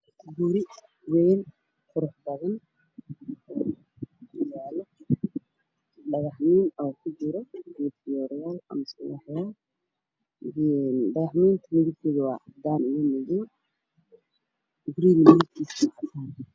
Waa guri midabkiisii yahay caddaan waxaa ag yaalla zakaallo ay ku jiraan ubaxyo midabkooda yahay cagaar